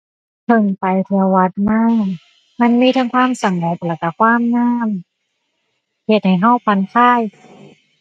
เพิ่งไปเที่ยววัดมา มันมีทั้งความสงบแล้วก็ความงาม เฮ็ดให้ก็ผ่อนคลาย